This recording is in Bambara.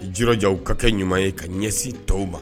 I jija u ka kɛ ɲuman ye ka ɲɛsin tɔw ma.